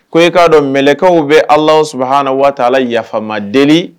Ko e k'a dɔn mlɛkaw bɛ ala3 h na waa yafama deli